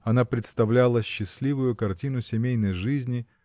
Она представляла счастливую картину семейной жизни